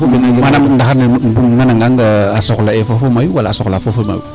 manaam ndaxar ne im nana ngaan a soxla a foofo mayu wala soxla a foofo mayu